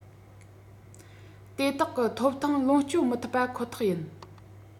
དེ དག གི ཐོབ ཐང ལོངས སྤྱོད མི ཐུབ པ ཁོ ཐག ཡིན